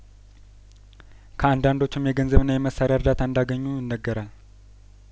ከአንዳንዶቹም የገንዘብና የመሳሪያ እርዳታ እንዳገኙ ይነገራል